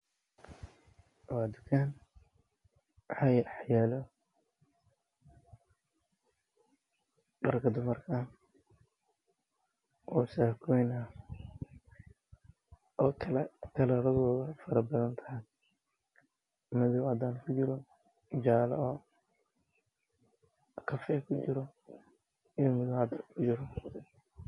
Meeshaan waa dukaan waxaa yaalo dharka dumarka